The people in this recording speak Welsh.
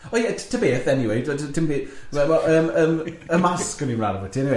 O ie, t- ta beth eniwe, t- ti'm by- wel yym yym y masg yn mynd mlan da ti eniwe.